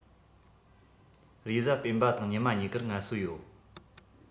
རེས གཟའ སྤེན པ དང ཉི མ གཉིས ཀར ངལ གསོ ཡོད